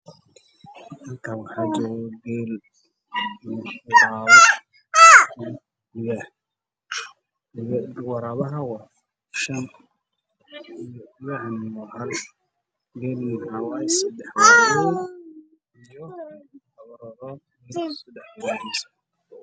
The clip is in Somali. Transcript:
Waa sawir farshaxan waxaa isla joogo waraabe iyo geel waa meel daaqaya oo ah